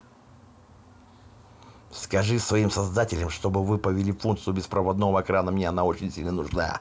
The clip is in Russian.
скажи своим создателям чтобы вы повели функцию беспроводного экрана мне она очень сильно нужна